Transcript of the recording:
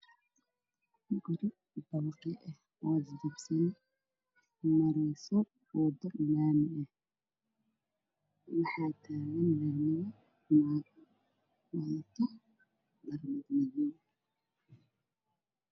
Waa laami midafkiisu yahay madow waxaa ka dambeeya guri duddunsan oo duq ah